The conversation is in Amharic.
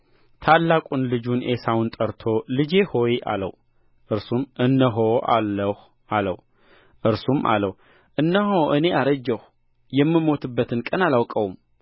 ታላቁን ልጁን ዔሳውን ጠርቶ ልጄ ሆይ አለው እርሱም እነሆ አለሁ አለው እርሱም አለው እነሆ እኔ አረጀሁ የምሞትበትን ቀን አላውቅም